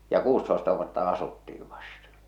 ja kuusitoista vuotta asuttiin vasta